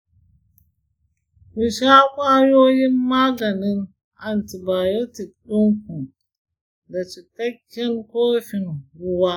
ku sha kwayoyin maganin antibiotics ɗinku da cikakken kofin ruwa.